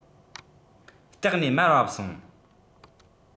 སྟེགས ནས མར བབས སོང